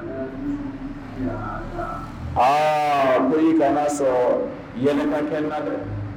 Aa ko i kana sɔn yɛlɛ ka kɛ n na dɛ